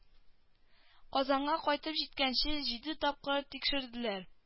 Казанга кайтып җиткәнче җиде тапкыр тикшерделәр